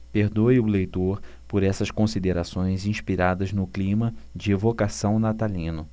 perdoe o leitor por essas considerações inspiradas no clima de evocação natalino